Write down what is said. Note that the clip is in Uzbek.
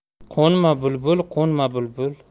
qo'nma bulbul qo'nma bulbul